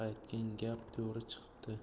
aytgan gap to'g'ri chiqibdi